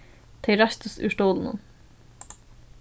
tey reistust úr stólunum